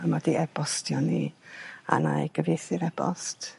... a ma' 'di e-bostio ni a 'nai gyfieithu'r e-bost.